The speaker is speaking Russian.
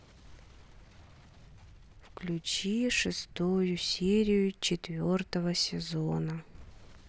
включи шестую серию четвертого сезона